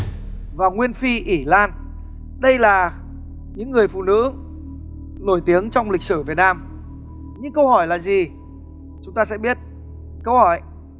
và nguyên phi ỷ lan đây là những người phụ nữ nổi tiếng trong lịch sử việt nam những câu hỏi là gì chúng ta sẽ biết câu hỏi